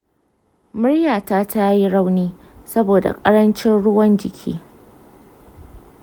muryata tayi rauni saboda ƙarancin ruwan-jiki.